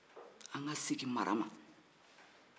an ka segin mara ma